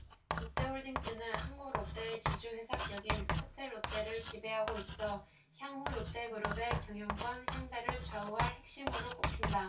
롯데홀딩스는 한국 롯데의 지주회사격인 호텔롯데를 지배하고 있어 향후 롯데그룹의 경영권 향배를 좌우할 핵심으로 꼽힌다